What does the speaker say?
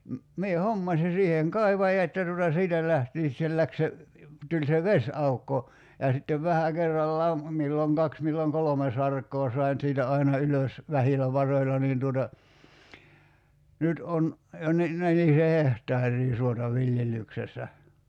minä hommasin siihen kaivajat ja tuota siitä lähtien sitten se lähti se tuli se vesiaukko ja sitten vähän kerrallaan milloin kaksi milloin kolme sarkaa sain siitä aina ylös vähillä varoilla niin tuota nyt on jo niin nelisen hehtaaria suota viljelyksessä